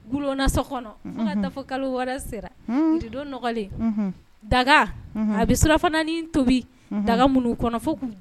Gnaso kɔnɔ ka kalo wɛrɛ sera donlen daga a bɛ sufana tobi daga mun